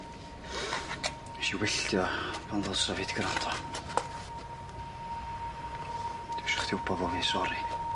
Nes i wylltio pan ddylse fi 'di grando. Dwi isio chdi wbod bo' fi sori.